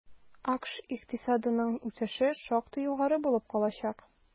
АКШ икътисадының үсеше шактый югары булып калачак.